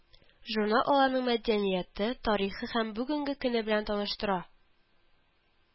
Журнал аларның мәдәнияте, тарихы һәм бүгенге көне белән таныштыра